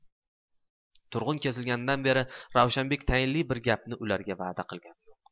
turg'un kesilganidan beri ravshanbek tayinli bir gapni ularga va'da qilgani yo'q